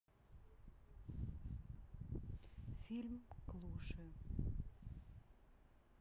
фильм клуши